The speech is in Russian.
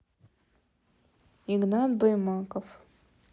игнат баймаков